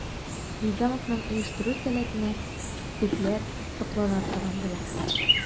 Низамовның оештыру сәләтенә күпләр соклана торган була.